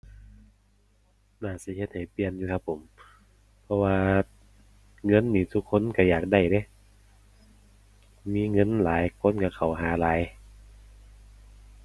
น่าสิเฮ็ดให้เปลี่ยนอยู่ครับผม เพราะว่าเงินนี่ซุคนก็อยากได้เดะ มีเงินหลายคนก็เข้าหาหลาย